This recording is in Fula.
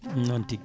noon tigui